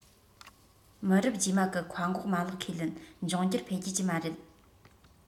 མི རབས རྗེས མ གི མཁའ འགོག མ ལག ཁས ལེན འབྱུང འགྱུར འཕེལ རྒྱས ཀྱི མ རེད